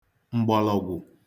mgbọlọgwụ